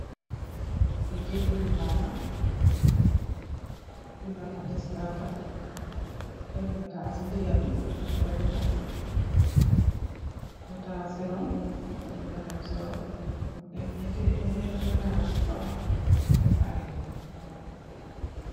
Li kayiti xibarr la binda ko di Standard, dèf nital ci digga bi ñing fa binda, nital ci ron ñing fa binda tamit ci ron. Dèf ñénti nital ci kaw dèf fa ay binda.